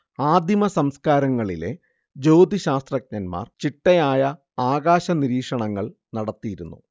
ആദിമസംസ്കാരങ്ങളിലെ ജ്യോതിശ്ശാസ്ത്രജ്ഞന്മാർ ചിട്ടയായ ആകാശനിരീക്ഷണങ്ങൾ നടത്തിയിരുന്നു